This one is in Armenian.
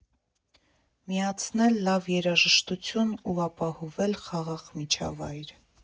Միացնել լավ երաժշտություն ու ապահովել խաղաղ միջավայր։